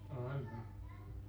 on on